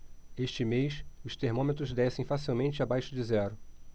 este mês os termômetros descem facilmente abaixo de zero